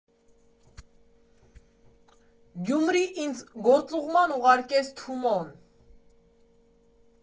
Գյումրի ինձ գործուղման ուղարկեց Թումոն։